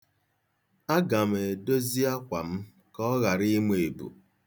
Aga m edozi akwa m ka ọ ghara ịma ebu.